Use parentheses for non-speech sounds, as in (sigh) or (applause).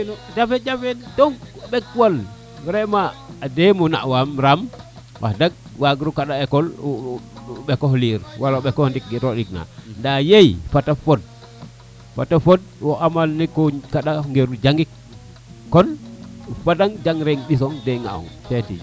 (music) jafe jafe dong ɓekwan vraiment a jemuna a wan ram wax deg wagiro kaɗax ecole ɓekox liir wagiro ɓekopx ke roɗig na nda yey fata fod fata fod o xamal ne kaɗang ne o jangik kon o fadan jangre ɓisong de ŋa ong